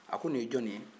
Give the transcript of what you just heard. a ko nin ye jɔn ye